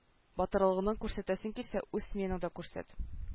Батырлыгыңны күрсәтәсең килсә үз сменаңда күрсәт